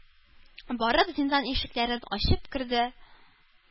Барып зиндан ишекләрен ачып керде,